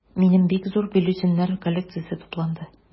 Минем бик зур бюллетеньнәр коллекциясе тупланды.